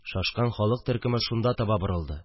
Шашкан халык төркеме шунда таба борылды